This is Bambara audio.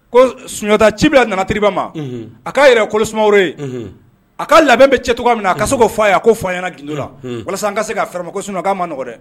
Ko sunjata ye ci bila nanatiriba ma a ka yɛrɛ kolo sumaworo ye a ka labɛ bɛ ciɲɛ cogo min na a ka se k'o f'aye a ko fɔ an ɲɛna gundo la walasa an ka se ka fɛrɛ a ma ko sinon ko aa nɔgɔ dɛ.